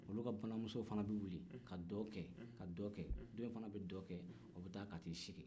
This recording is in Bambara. olu ka balimamusow fana bɛ wili ka dɔn kɛ ka dɔn kɛ o bɛ taa ka t'i sigi